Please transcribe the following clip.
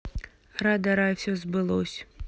рада рай все сбылось